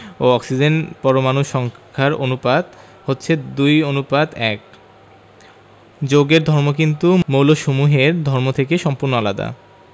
ও অক্সিজেনের পরমাণুর সংখ্যার অনুপাত হচ্ছে ২ অনুপাত ১যৌগের ধর্ম কিন্তু মৌলসমূহের ধর্ম থেকে সম্পূর্ণ আলাদা